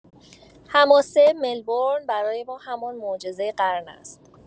حماسه ملبورن برای ما همان معجزۀ قرن است؛